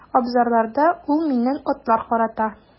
Абзарларда ул миннән атлар карата.